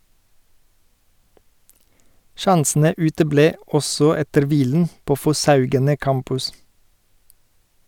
Sjansene uteble også etter hvilen på Fosshaugane Campus.